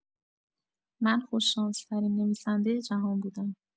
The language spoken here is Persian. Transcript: من خوش‌شانس‌ترین نویسنده جهان بودم.